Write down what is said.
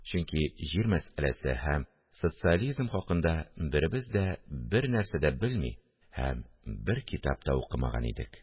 Чөнки җир мәсьәләсе һәм социализм хакында беребез дә бернәрсә дә белми һәм бер китап та укымаган идек